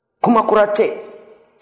kuma kura tɛ